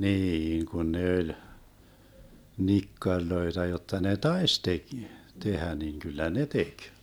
niin kun ne oli nikkareita jotta ne taisi - tehdä niin kyllä ne teki